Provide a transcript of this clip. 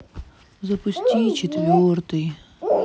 запусти четвертый